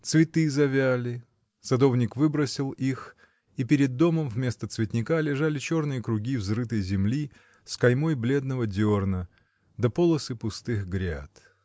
Цветы завяли, садовник выбросил их, и перед домом вместо цветника лежали черные круги взрытой земли, с каймой бледного дерна, да полосы пустых гряд.